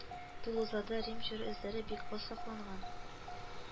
Тулузада Рим чоры эзләре бик аз сакланган